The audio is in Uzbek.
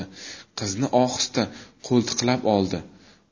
qizni ohista qo'ltiqlab oldi